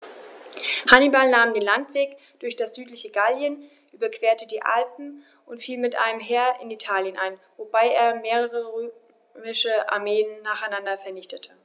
Hannibal nahm den Landweg durch das südliche Gallien, überquerte die Alpen und fiel mit einem Heer in Italien ein, wobei er mehrere römische Armeen nacheinander vernichtete.